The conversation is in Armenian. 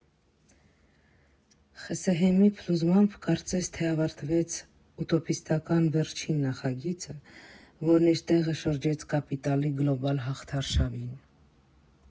ԽՍՀՄ֊ի փլուզմամբ կարծես թե ավարտվեց ուտոպիստական վերջին նախագիծը, որն իր տեղը զիջեց կապիտալի գլոբալ հաղթարշավին։